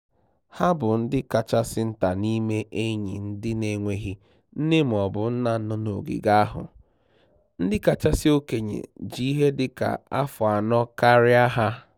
Ha bụ ndị kachasị nta n'ime enyi ndị n'enweghị nne mọọbụ nna nọ n'ogige ahụ; ndị kachasi okenye jị ihe dị ka afọ anọ karịa ha.